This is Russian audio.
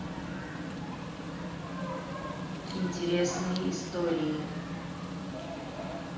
интересные истории